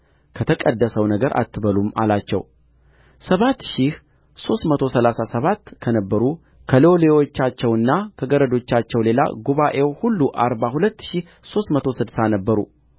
ከተቀደሰው ነገር አትበሉም አላቸው ሰባት ሺህ ሦስት መቶ ሠላሳ ሰባት ከነበሩ ከሎሌዎቻቸውና ከገረዶቻቸው ሌላ ጉባኤው ሁሉ አርባ ሁለት ሺህ ሦስት መቶ ስድሳ ነበሩ